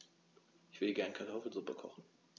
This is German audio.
Ich will gerne Kartoffelsuppe kochen.